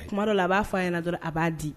Tuma la a b'a fɔ a ɲɛna dɔrɔn a b'a di